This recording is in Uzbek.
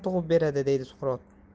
tug'ib beradi deydi suqrot